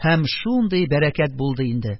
Һәм шундый бәрәкәт булды инде: